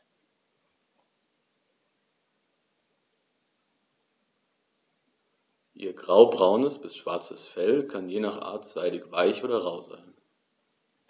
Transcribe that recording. Ihr graubraunes bis schwarzes Fell kann je nach Art seidig-weich oder rau sein.